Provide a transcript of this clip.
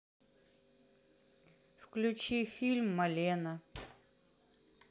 включи фильм малена